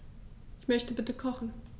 Ich möchte bitte kochen.